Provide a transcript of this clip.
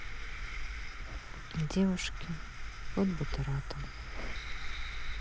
девушки под бутератом